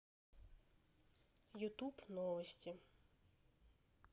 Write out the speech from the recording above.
ютуб новости